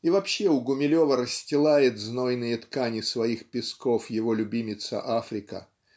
и вообще у Гумилева расстилает знойные ткани своих песков его любимица Африка